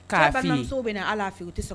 'muso bɛ ala tɛ